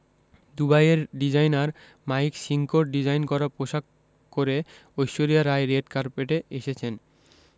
দুবাইয়ের designer Mike সিঙ্কোর design করা পোশাক করে ঐশ্বরিয়া রাই রেড কার্পেটে এসেছেন